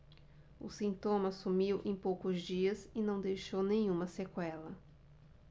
o sintoma sumiu em poucos dias e não deixou nenhuma sequela